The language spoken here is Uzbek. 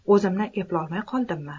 o'zimni eplayolmay qoldimmi